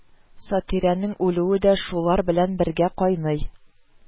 Сатирәнең үлүе дә шулар белән бергә кайный